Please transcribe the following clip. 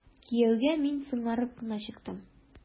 Кияүгә мин соңарып кына чыктым.